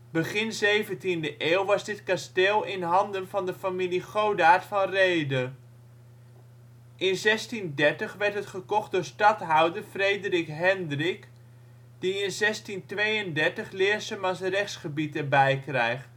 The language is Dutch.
Begin 17e eeuw was dit kasteel in handen van de familie Godard van Reede. In 1630 werd het gekocht door stadhouder Frederik Hendrik, die in 1632 Leersum als rechtsgebied erbij krijgt